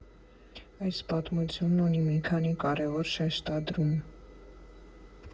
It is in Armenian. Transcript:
Այս պատմությունն ունի մի քանի կարևոր շեշտադրում։